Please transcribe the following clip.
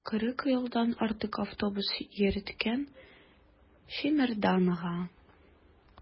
Кырык елдан артык автобус йөрткән Шәймәрдан ага.